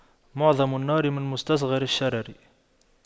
معظم النار من مستصغر الشرر